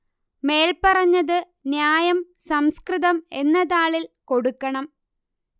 മേൽ പറഞ്ഞത് ന്യായം സംസ്കൃതം എന്ന താളിൽ കൊടുക്കണം